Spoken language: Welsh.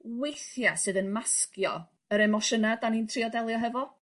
weithia' sydd yn masgio yr emosiyna 'dan ni'n trio delio hefo.